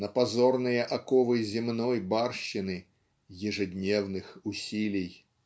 на позорные оковы земной барщины "ежедневных усилий".